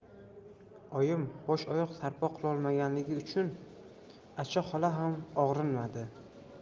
oyim bosh oyoq sarpo qilolmagani uchun acha xola ham og'rinmadi